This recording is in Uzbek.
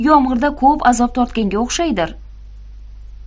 yomg'irda ko'p azob tortganga o'xshaydir